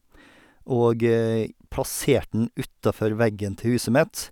Og plasserte den utafor veggen til huset mitt.